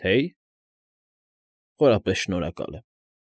Թե՞յ։ Խորապես շնորհակալ եմ։